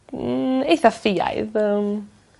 Mmm eitha ffiaidd yym.